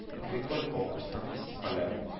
Интеллектуаль конкурс һәм фестивальләр